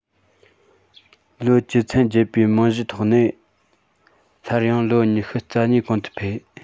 ལོ བཅུ ཚན བརྒྱད པའི རྨང གཞིའི ཐོག ནས སླར ཡང ལོ ཉི ཤུ རྩ གཉིས གོང དུ འཕེལ